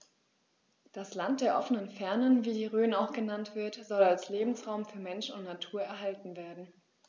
Das „Land der offenen Fernen“, wie die Rhön auch genannt wird, soll als Lebensraum für Mensch und Natur erhalten werden.